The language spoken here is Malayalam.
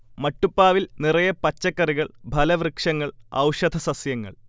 മട്ടുപ്പാവിൽ നിറയെ പച്ചക്കറികൾ, ഫലവൃക്ഷങ്ങൾ, ഔഷധ സസ്യങ്ങൾ